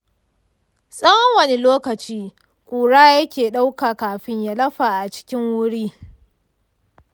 tsawon wani lokaci ƙura yake ɗauka kafin ya lafa a cikin wuri?